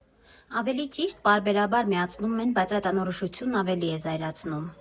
Ավելի ճիշտ, պարբերաբար միացնում են, բայց այդ անորոշությունն ավելի է զայրացնում։